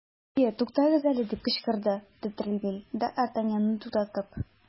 Әйе, тукагыз әле! - дип кычкырды де Тревиль, д ’ Артаньянны туктатып.